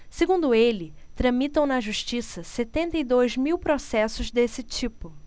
segundo ele tramitam na justiça setenta e dois mil processos desse tipo